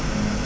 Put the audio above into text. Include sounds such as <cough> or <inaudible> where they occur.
<noise> <hesitation> <hesitation>